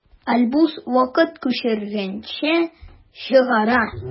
Альбус вакыт күчергечне чыгара.